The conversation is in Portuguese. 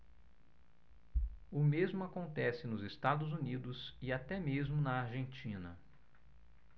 o mesmo acontece nos estados unidos e até mesmo na argentina